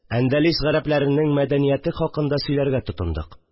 Әндәлес гарәпләренең мәдәнияте хакында сөйләргә тотындык